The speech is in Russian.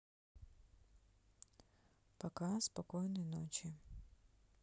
пока спокойной ночи